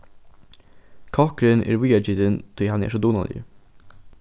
kokkurin er víðagitin tí hann er so dugnaligur